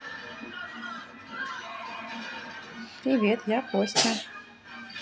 привет я костя